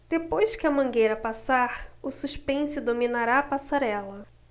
depois que a mangueira passar o suspense dominará a passarela